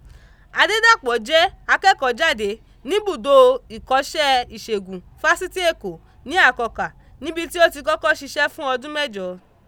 Adédàpò jẹ́ akẹ́kọ̀ọ́jáde níbùdó ìkọ́sẹ́ ìṣègùn fásítì Èkó ní Àkọkà níbi tí ó ti kọ́kọ́ ṣiṣẹ́ fún ọdún mẹ́jọ.